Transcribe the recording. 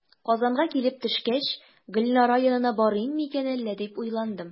Казанга килеп төшкәч, "Гөлнара янына барыйм микән әллә?", дип уйландым.